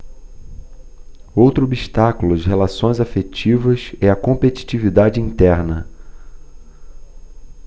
outro obstáculo às relações afetivas é a competitividade interna